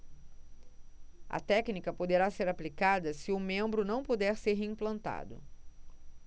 a técnica poderá ser aplicada se o membro não puder ser reimplantado